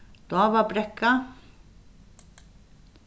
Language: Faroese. dávabrekka